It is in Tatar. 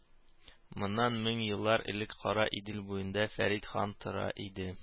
Моннан мең еллар элек Кара Идел буенда Фәрит хан тора иде.